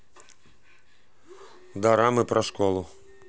дорамы про школу